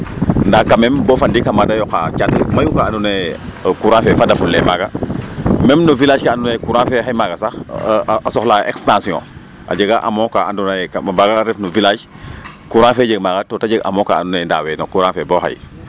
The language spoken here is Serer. Ndaa cas meme bo fa ndik a maada yoqaa caate mayu ka andoona yee courant fe fadafulee maaga meme no village ke andoona yee courant fe xay maga sax e% a sox la a extention a jega amo ka ando naye ka a mbaga ndef no village courant fe jeg maga toto jeg amo ka andoona yee ndaaewe no courant fe bo fa xaye.